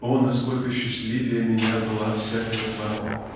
О, насколько счастливее меня была всякая тварь!